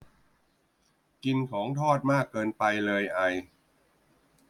กินของทอดมากเกินไปเลยไอ